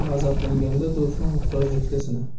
g'azablanganda do'stni muhtojlikda sina